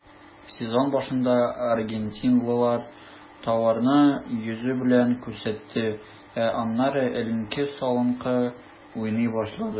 Сезон башында аргентинлылар тауарны йөзе белән күрсәтте, ә аннары эленке-салынкы уйный башлады.